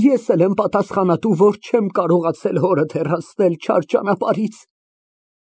Ես էլ եմ պատասխանատու, որ չեմ կարողացել հորդ հեռացնել չար ճանապարհից։